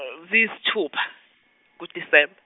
ziyisithupha ku- Decemb-.